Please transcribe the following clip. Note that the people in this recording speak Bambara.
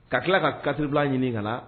Ka tila ka katil ɲini ka na